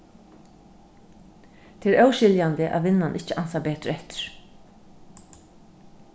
tað er óskiljandi at vinnan ikki ansar betur eftir